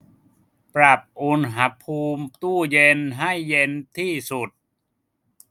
ปรับอุณหภูมิตู้เย็นให้เย็นที่สุด